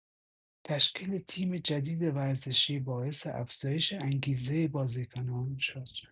تشکیل تیم جدید ورزشی باعث افزایش انگیزه بازیکنان شد.